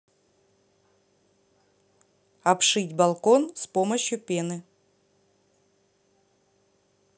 обшить балкон с помощью пены